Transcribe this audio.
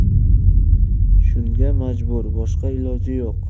shunga majbur boshqa iloji yo'q